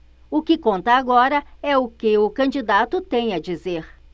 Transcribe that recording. o que conta agora é o que o candidato tem a dizer